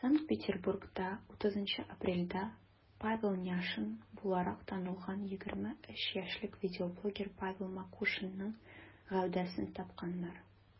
Санкт-Петербургта 30 апрельдә Павел Няшин буларак танылган 23 яшьлек видеоблогер Павел Макушинның гәүдәсен тапканнар.